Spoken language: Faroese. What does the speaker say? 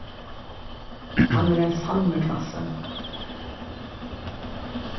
hann er ein sannur knassi